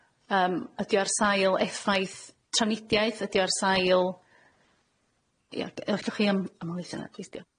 Yym ydi o ar sail effaith trafnidiaeth? Ydi o ar sail... Ia, g- allwch chi ym- ymelaethu ar hwn'na plis? Dio-